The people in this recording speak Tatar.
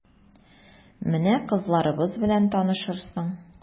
Менә кызларыбыз белән танышырсың...